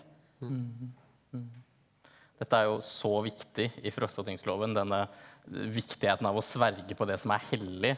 dette er jo så viktig i Frostatingsloven denne viktigheten av å sverge på det som er hellig.